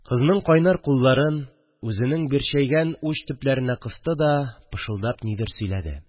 Кызның кайнар кулларын үзенең бирчәйгән уч төпләренә кысты да пышылдап нидер сөйләде